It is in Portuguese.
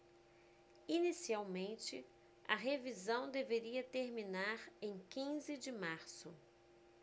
inicialmente a revisão deveria terminar em quinze de março